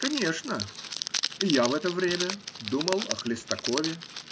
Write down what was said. Конечно, и я в это время думал о Хлестакове.